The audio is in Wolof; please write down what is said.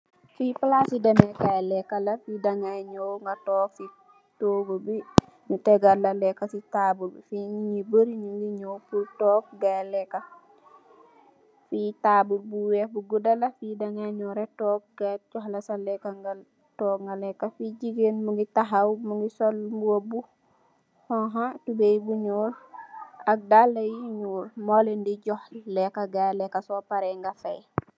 Fi palasi demekaay leka la. Fi dangai dem nga tok ci toguh bi nyu tegal lekka ci tabul bi. Fi nit yu barri nyungi nyow tok guy di lekka. Fi tabul bu weex bu gudda la nga tok guy nyu johla sa lekka bi nga lekka. Jigeen mungi takhaw mungi sol mboba bu xonxo, tubeye bu ñuul ak dalla bu ñuul, mu leen dejoh lekka su pareh guy faye.